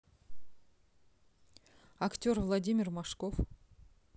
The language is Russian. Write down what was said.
актер владимир машков